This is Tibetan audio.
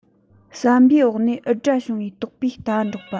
ཟམ པའི འོག ནས འུར སྒྲ བྱུང བར དོགས པས རྟ འདྲོག པ